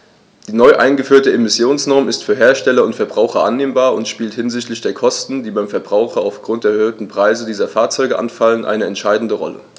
Die neu eingeführte Emissionsnorm ist für Hersteller und Verbraucher annehmbar und spielt hinsichtlich der Kosten, die beim Verbraucher aufgrund der erhöhten Preise für diese Fahrzeuge anfallen, eine entscheidende Rolle.